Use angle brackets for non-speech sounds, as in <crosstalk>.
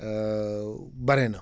<hesitation> bare na